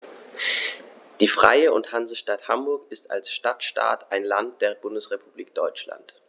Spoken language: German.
Die Freie und Hansestadt Hamburg ist als Stadtstaat ein Land der Bundesrepublik Deutschland.